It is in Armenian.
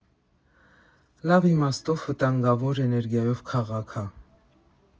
Լավ իմաստով վտանգավոր էներգիայով քաղաք ա։